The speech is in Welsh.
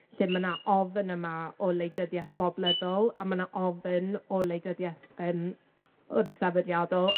lle ma' 'na ofyn yma o wleidyddieth boblyddol, a ma' 'na ofyn o wleidyddieth yym wrth sefydliadol.